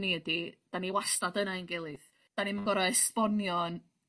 ni ydi 'dan ni wastad yna i'n gilydd 'dan ni'm gor'o' esbonio 'yn